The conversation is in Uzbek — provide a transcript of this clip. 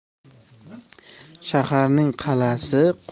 shaharning qa'lasi qo'rg'on